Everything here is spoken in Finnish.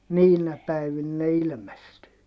niinä päivinä ne ilmestyy